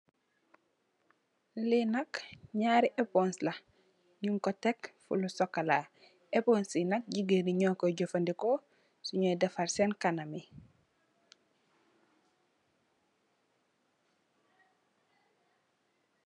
Li nak nãar eponse la, nung ko tek fu lu sokola. Epson yi nak jigèen yi nyo koi jafadeh ko su nyo defar seen kanam yi.